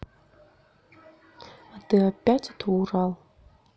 а ты опять это урал